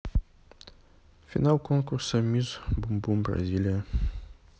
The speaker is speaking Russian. финал конкурса мисс бум бум бразилия